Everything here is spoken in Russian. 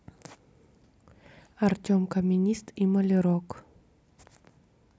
артем каменист и малярок